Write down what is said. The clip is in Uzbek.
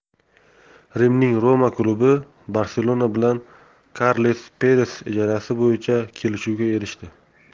rimning roma klubi barselona bilan karles peres ijarasi bo'yicha kelishuvga erishdi